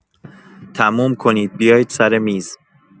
تموم کنید بیایید سر میز.